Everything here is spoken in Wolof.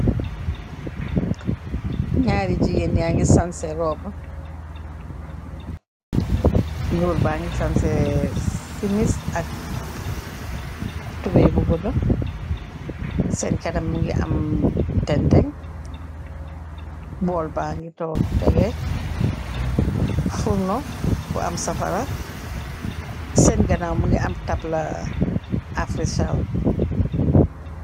Nyari jegain yage sanseh rouba, goor bage sanseh semis ak tobaye bu gouda sen kanam muge am teng teng, bowl bage tonke tege , furno bu am safara sen ganaw muge am tabla Africell.